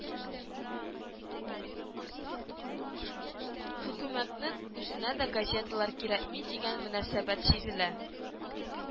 Хөкүмәтнең үзенә дә газеталар кирәкми дигән мөнәсәбәт сизелә